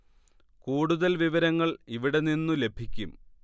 കൂടുതൽ വിവരങ്ങൾ ഇവിടെ നിന്നു ലഭിക്കും